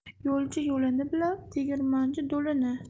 yo'lchi yo'lini bilar tegirmonchi do'lini